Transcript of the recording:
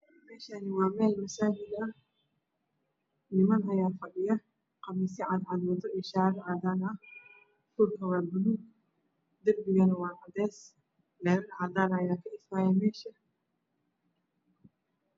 Meshani waa meel masajid ah niman ayaa fadhiya qamisya cad cad wata iyo sharar cadan ah rogu waa baluug derbigana waa cadees gari cadana aya ka ifaya mesha